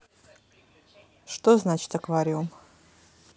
что значит аквариум